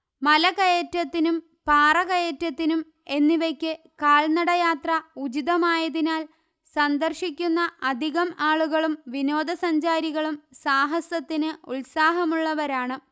മലകയറ്റത്തിനും പാറകയറ്റത്തിനും എന്നിവയ്ക്ക് കാൽ നടയാത്ര ഉചിതമായതിനാൽ സന്ദർശിക്കുന്ന അധികം ആളുകളും വിനോദ സഞ്ചാരികളും സാഹസത്തിൻഉല്സാഹമുള്ളവരാണ്